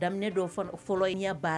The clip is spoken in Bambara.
Daminɛ dɔw fana fɔlɔ inya baara